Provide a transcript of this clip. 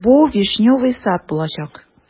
Бу "Вишневый сад" булачак.